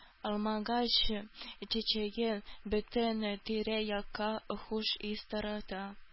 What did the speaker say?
Алмагач чәчәге бөтен тирә-якка хуш ис тарата.